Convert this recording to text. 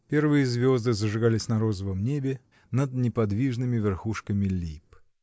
первые звезды зажигались на розовом небе над неподвижными верхушками лип.